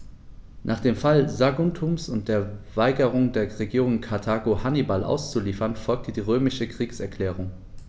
Nach dem Fall Saguntums und der Weigerung der Regierung in Karthago, Hannibal auszuliefern, folgte die römische Kriegserklärung.